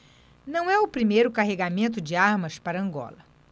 não é o primeiro carregamento de armas para angola